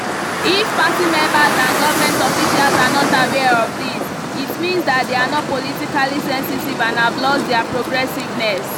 If party members and government officials are not aware of this, it means that they are not politically sensitive and have lost their progressiveness.